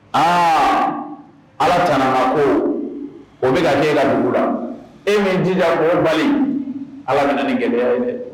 Aa ala cra ko o bɛ hla dugu la e ma jija obali ala bɛna nin gɛlɛya ye dɛ